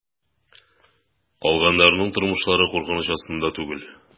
Калганнарның тормышлары куркыныч астында түгел.